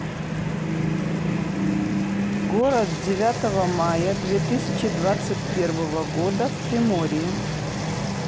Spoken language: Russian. город девятого мая две тысячи двадцать первого года в приморье